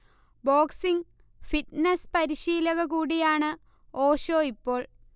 boxing, fitness പരിശീലക കൂടിയാണ് ഓഷോ ഇപ്പോൾ